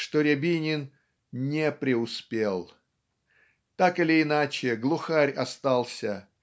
что Рябинин "не преуспел". Так или иначе глухарь остался